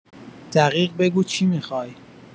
دقیق بگو چی میخوای؟